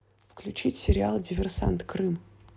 включить сериал диверсант крым